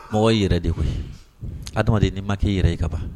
Mɔgɔ i yɛrɛ de koyi adamaden'i ma k'i yɛrɛ ye kaban